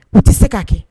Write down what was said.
A tɛ se k ka kɛ